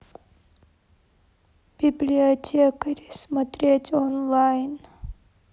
библиотекари смотреть онлайн